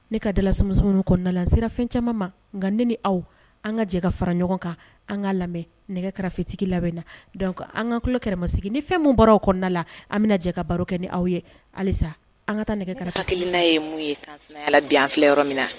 Ne ka dala sumunu kɔnɔnadalan sera fɛn caman ma nka ne ni aw an ka jɛ ka fara ɲɔgɔn kan an ka lamɛn nɛgɛ karafetigi labɛn na dɔnku an kaan tulokɛmasigi ni fɛnmu bɔra aw kɔnɔnada la an bɛ jɛ ka baro kɛ ni aw ye halisa an ka taa nɛgɛ kelen' ye mun ye ala bi an filɛ yɔrɔ min na